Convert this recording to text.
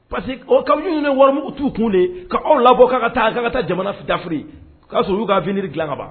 ninnu bɛ warimugu t'u kun de ka aw labɔ k'a ka taa ka ka taa k'aw ka taa jamana dafiri k'a sɔrɔ ulu ka avenir dilan ka ban.